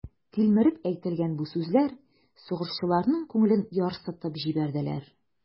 Тилмереп әйтелгән бу сүзләр сугышчыларның күңелен ярсытып җибәрделәр.